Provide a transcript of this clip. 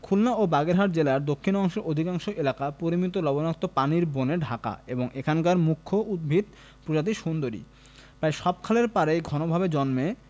খুলনা ও বাগেরহাট জেলার দক্ষিণ অংশের অধিকাংশ এলাকা পরিমিত লবণাক্ত পানির বনে ঢাকা আর এখানকার মুখ্য উদ্ভিদ প্রজাতি সুন্দরী প্রায় সব খালের পাড়েই ঘনভাবে জন্মে